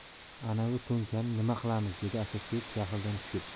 anavi to'nkani nima qilamiz dedi asadbek jahldan tushib